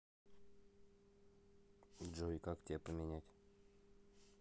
джой как тебя поменять